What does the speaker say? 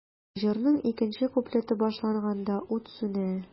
Җырның икенче куплеты башланганда, ут сүнә.